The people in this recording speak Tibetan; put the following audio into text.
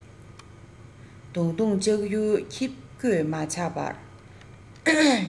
བརྡུངས བརྡུངས ལྕག ཡུ ཁྱི མགོས མ བཅག པར